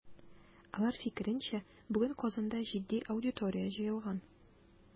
Алар фикеренчә, бүген Казанда җитди аудитория җыелган.